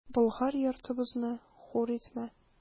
Болгар йортыбызны хур итмә!